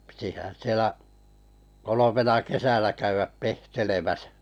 pitihän siellä kolmena kesänä käydä pehtelemässä